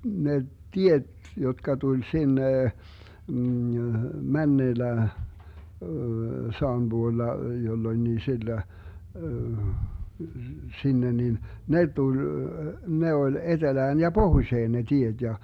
ne tiet jotka tuli sinne menneellä sadan puolella jolloinkin silloin sinne niin ne tuli ne oli etelään ja pohjoiseen ne tiet ja